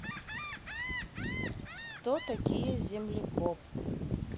кто такие землекоп